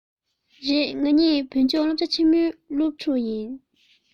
རེད ང གཉིས བོད ལྗོངས སློབ གྲ ཆེན མོའི སློབ ཕྲུག ཡིན